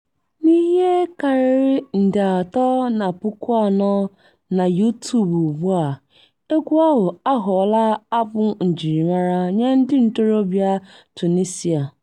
N'ihe karịrị nde 3.4 na YouTube ugbu a, egwu ahụ aghọla abụ njirimara nye ndị ntorobịa Tunisia.